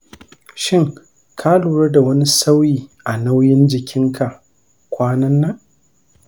shin ka lura da wani sauyi a nauyin jikinka kwanan nan?